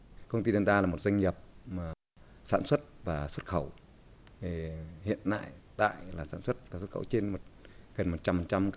công ty la ta là một doanh nghiệp sản xuất và xuất khẩu thể hiện lại tại là sản xuất và xuất khẩu trên gần một trăm trăm